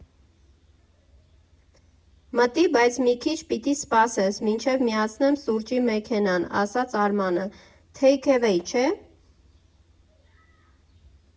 Մտի, բայց մի քիչ պիտի սպասես, մինչև միացնեմ սուրճի մեքենան, ֊ ասաց Արմանը, ֊ թեյք֊ըվեյ, չէ՞։